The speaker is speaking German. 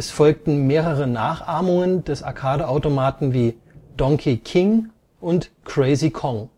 folgten mehrere Nachahmungen des Arcade-Automaten wie Donkey King und Crazy Kong